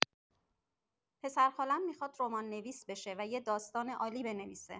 پسرخاله‌ام می‌خواد رمان‌نویس بشه و یه داستان عالی بنویسه.